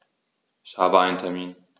Ich habe einen Termin.